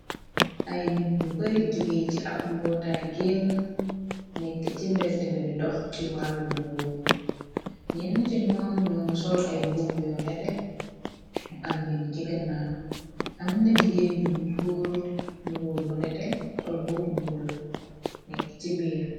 ay nit ñu bari jogee ci ab mbootaay genn nekk ci mbedd mi di dox ci wàllum nguur ñenn ca ñoom yoo nga sol ay mbubb yoo nete mu ambind ci gannaw am na jigéen jum ru soor gu nete sol mbub mbubbula nekk ci biir